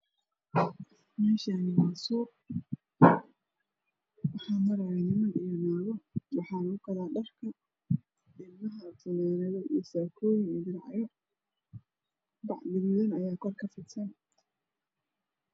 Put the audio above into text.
Meeshaani waa suuq waxaa marayo niman naago waxaa lagu gadaa dhar ilmaha fananado saakoyin diracyo bac guduunan ayaa kor ku fidsan